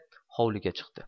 hovliga chiqdi